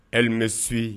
Emi se